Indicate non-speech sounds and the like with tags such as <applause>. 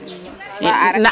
<hesitation> na aar ake fop,